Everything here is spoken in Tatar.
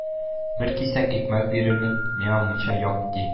– бер кисәк икмәк бирермен, миңа мунча як, – ди